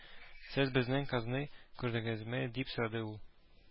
"сез безнең казны күрдегезме" дип сорады ул